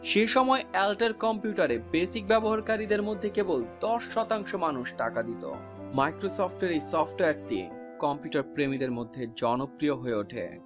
সে সময় Altair কম্পিউটারে BASIC ব্যবহারকারীদের মধ্যে কেবল ১০ শতাংশ মানুষ টাকা দিত মাইক্রোসফট এর এই সফটওয়্যার টি কম্পিউটার প্রেমীদের মধ্যে জনপ্রিয় হয়ে ওঠে